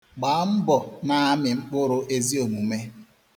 Gbaa mbọ na-amị mkpụrụ ezi omume.